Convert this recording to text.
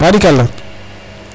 barikala